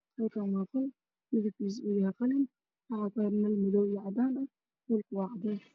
Halkaan waa qol midabkiisu waa qalin waxaa kadaaran nal madow iyo cadaan ah, dhulkana waa cadeys.